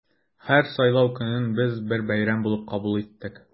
Һәр сайлау көнен без бер бәйрәм булып кабул иттек.